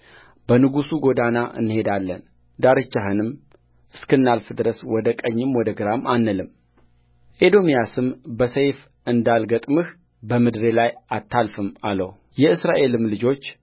በንጉሡ ጐዳና እንሄዳለን ዳርቻህንም እስክናልፍ ድረስ ወደ ቀኝም ወደ ግራም አንልምኤዶምያስም በሰይፍ እንዳልገጥምህ በምድሬ ላይ አታልፍም አለውየእስራኤልም ልጆች